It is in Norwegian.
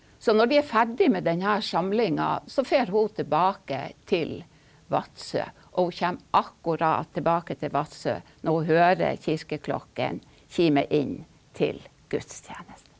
så når de er ferdig med den her samlinga så farer hun tilbake til Vadsø, og hun kommer akkurat tilbake til Vadsø når hun hører kirkeklokkene kime inn til gudstjeneste.